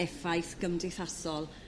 effaith gymdeithasol